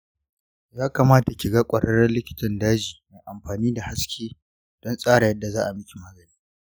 ya kamata kiga kwararren likitan daji mai amfani da haske don tsara yadda za'a miki magani.